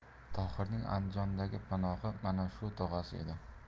tohirning andijondagi panohi mana shu tog'asi edi